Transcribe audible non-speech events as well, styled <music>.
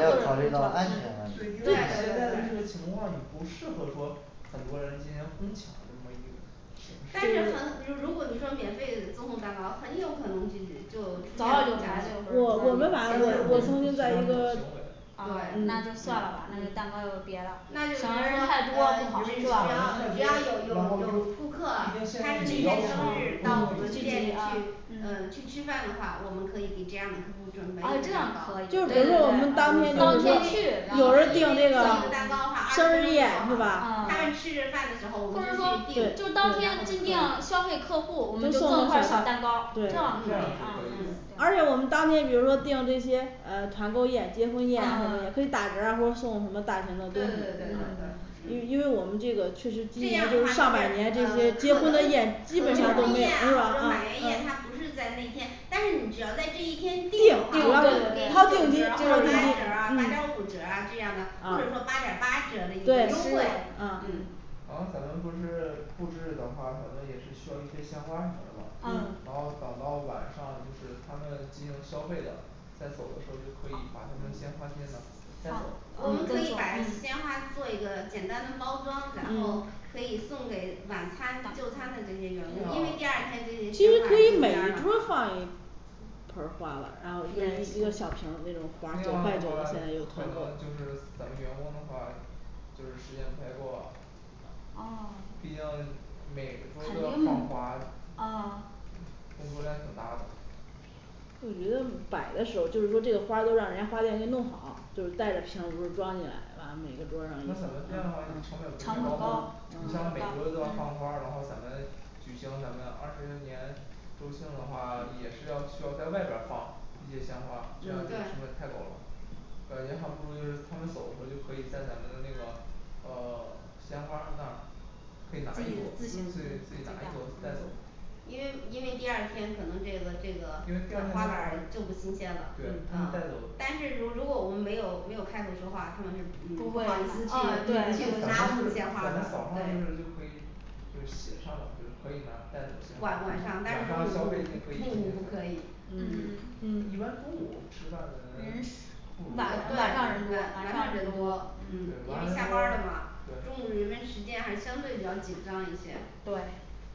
要考虑到安全问题，对现对在对的这个对情况你不适合说很多人进行哄抢这么一个，但是可能如果你说免费赠送蛋糕，很有可能就是就出现现我我象们在一个对那就嗯算了，那就蛋糕就别了那就是只省的要人太多不好，是人吧，太有多，有有顾客他毕们竟是现在也今要天求就生是日不到我们能聚店里集去嗯去吃饭的话，我们可以给这样的客户准备一个啊这样蛋糕可以，，因就为做比如说我一个们当天生日宴蛋糕吧二十分钟做或好了，他们吃着饭的时候我们者就去说定就当天固定消费客户，我们就送一块儿小蛋糕，这这样样是可以可嗯以嗯的啊，对，对，对对对。这样的话就是可能可能婚宴啊或者满月宴它不是在那天但是你只要在这一天定的话，给你九折儿或者八折儿啊八点儿五嗯折儿啊这样的，或者说八点儿八折儿的一个优惠对。嗯然后咱们不是布置的话，可能也是需要一些鲜花什么的吧啊，然后等到晚上就是他们进行消费的，在走的时候就可以把他们的鲜花我们可以把鲜花做一个简单的包装，然后可以送给晚餐就餐的这些员工，因为第二天这些每鲜花就桌儿干了放一嘛盆儿花了，然后一人对一个小瓶儿那种那样的话可能花儿，就是咱们员工的话就是时间不太够啊啊，毕竟每个桌儿都要放花，啊工作量挺大的。我觉得摆的时候就是说这个花儿都让人家花店给弄好，就是带着瓶儿都装进来，然后每个那桌儿上，咱们这样的话成本不是成本很高高吗，？嗯你想每桌都要放花儿，然后咱们举行咱们二十年周庆的话，也是要需要在外边儿放一些鲜花，这样的成对本太高了，感觉还不如就是他们走的时候就可以在咱们的那个呃 <silence> 鲜花那儿可以拿自一己朵，自对，自行己拿一朵带走因为因为第二天可能这个这因为第二个天花篮儿就不新鲜了，对，他嗯们带走，，但是如如果我们没有没有开口说话，他们就不好意思去嗯，对咱去们早拿上我就们是鲜花的就对可以就是写上了就是可以拿带走这样，晚晚晚上上但来是中午中消费就可以午不可以嗯嗯，一般中午吃饭的人晚晚上晚人多，，晚上人多，嗯，对晚因为下班儿上了人多嘛对，中午人们时间还相对比较紧张一些，对